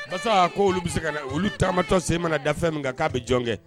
Walasasa a ko olu bɛ se ka olu tamatɔ sen mana da min kan k'a bɛ jɔn kɛ